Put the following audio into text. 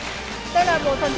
đây là một phần